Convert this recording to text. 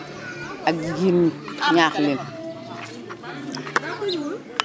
ak jigéen ñi ñaax leen